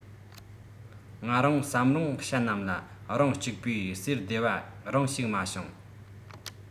ང རང བསམ རུང བྱ རྣམས ལ རང གཅིག པོས ཟེར བདེ བ རང ཞིག མ བྱུང